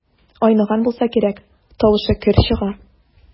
Айныган булса кирәк, тавышы көр чыга.